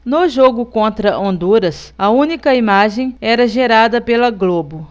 no jogo contra honduras a única imagem era gerada pela globo